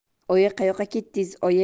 oyi qayoqqa ketdidz oyi